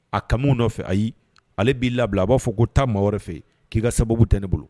A ka nɔfɛ ayi ale b'i labila a b'a fɔ ko taa maa wɛrɛ fɛ k'i ka sababu tɛ ne bolo